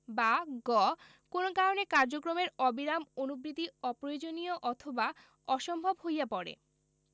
বা গ কোন কারণে কার্যক্রমের অবিরাম অনুবৃত্তি অপ্রয়োজনীয় অথবা অসম্ভব হইয়া পড়ে